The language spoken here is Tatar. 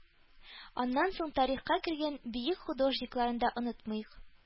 Аннан соң тарихка кергән бөек художникларны да онытмыйк.